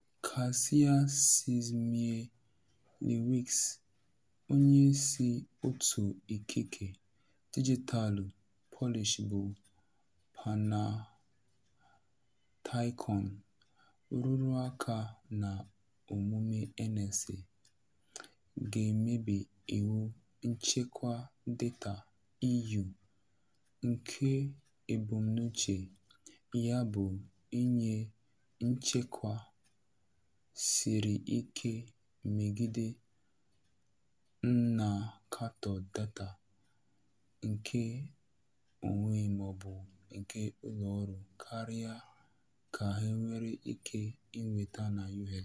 Kasia Szymielewicz, onyeisi òtù ikike dijitaalụ Polish bụ Panoptykon, rụrụ ụka na omume NSA ga-emebi iwu nchekwa data EU, nke ebumnuche ya bụ inye nchekwa siri ike megide nnakọta data nkeonwe maọbụ nke ụlọọrụ karịa ka e nwere ike inweta na US.